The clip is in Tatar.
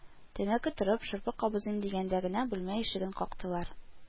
Тәмәке төреп, шырпы кабызыйм дигәндә генә, бүлмә ишеген кактылар